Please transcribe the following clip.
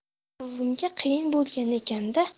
buvimga qiyin bo'lgan ekan da